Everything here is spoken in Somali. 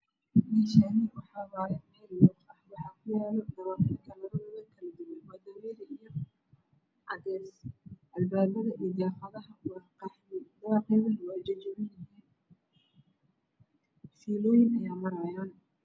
Meeshaan waa meel luuq ah waxaa kuyaalo dabaqyo kalaradoodu kala duwan yahay waa dameeri iyo cadeys. Albaabada iyo daaqadaha waa qaxwi. Dabaqyadu waa jajaban yihiin fiilooyin ayaa maraayo.